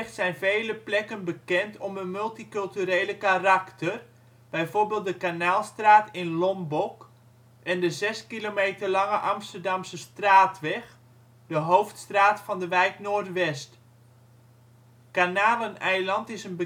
zijn vele plekken bekend om hun multiculturele karakter, bijvoorbeeld de Kanaalstraat in Lombok en de 6 km lange Amsterdamsestraatweg, de hoofdstraat van de wijk Noordwest. Kanaleneiland is een